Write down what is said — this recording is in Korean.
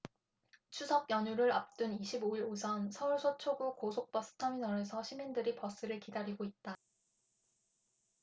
추석연휴를 앞둔 이십 오 일 오전 서울 서초구 고속버스터미널에서 시민들이 버스를 기다리고 있다